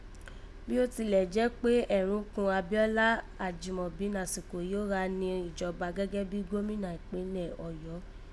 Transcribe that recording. Bí ó tilẹ̀ jẹ́ kpé ẹrun kún Abíọ́lá Ajímọ̀bí nàsìkò yìí gho gha nìjọba gẹ́gẹ́ bí Gómìnà ìkpínlẹ̀ Ọ̀yọ́